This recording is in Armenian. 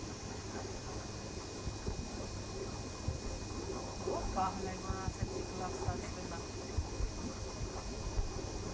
Ո՞ր պահն էր, որ ասեցիք՝ լավ, ստացվել ա։